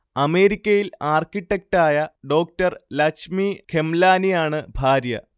അമേരിക്കയിൽ ആർകിടെക്ടായ ഡോ. ലച്മി ഖെംലാനിയാണ് ഭാര്യ